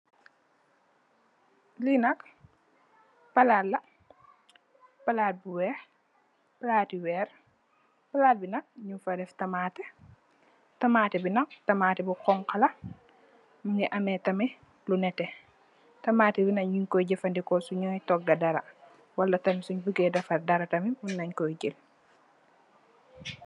Li nak palaat la, palaat bu weeh, palaati wèrr, palaat bi nak nung fa deff tamatè. Tamatè bi nak tamatè bi honku la, mungi ameh tamit lu nètè. Tamatè bi nak nung koy jafadeko su nyo toga dara wala tamit sunn bu gè defar dara tamit mun nèn koy jël.